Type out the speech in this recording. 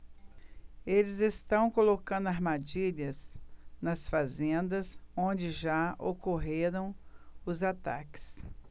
eles estão colocando armadilhas nas fazendas onde já ocorreram os ataques